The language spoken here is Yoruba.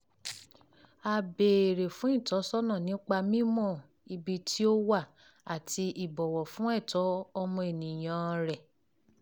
A béèrè fún ìtọ́sọ́nà nípa mímọ ibi tí ó wà, àti ìbọ̀wọ̀ fún ẹ̀tọ́ ọmọnìyàn-an rẹ̀.